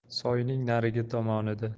soyning narigi tomonida